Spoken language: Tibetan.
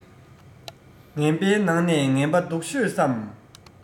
ངན པའི ནང ནས ངན པ སྡུག ཤོས སམ